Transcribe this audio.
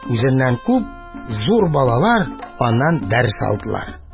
Үзеннән күп зур балалар аннан дәрес алдылар.